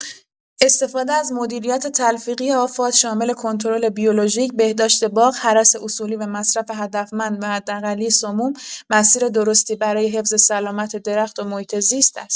استفاده از مدیریت تلفیقی آفات شامل کنترل بیولوژیک، بهداشت باغ، هرس اصولی و مصرف هدفمند و حداقلی سموم، مسیر درستی برای حفظ سلامت درخت و محیط‌زیست است.